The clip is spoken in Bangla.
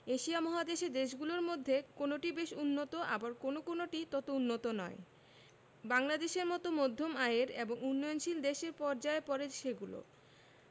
এশিয়া মহাদেশের দেশগুলোর মধ্যে কোনটি বেশ উন্নত আবার কোনো কোনোটি তত উন্নত নয় বাংলাদেশের মতো মধ্যম আয়ের এবং উন্নয়নশীল দেশের পর্যায়ে পড়ে সেগুলো